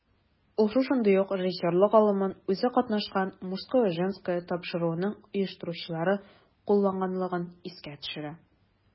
Ул шушындый ук режиссерлык алымын үзе катнашкан "Мужское/Женское" тапшыруының оештыручылары кулланганлыгын искә төшерә.